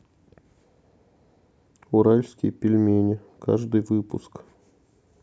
уральские пельмени каждый выпуск